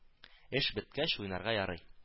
Эш беткәч уйнарга ярый